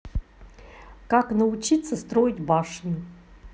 как научиться строить башню